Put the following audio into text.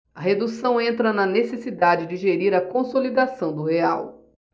a redução entra na necessidade de gerir a consolidação do real